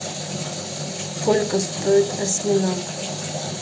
сколько стоит осьминог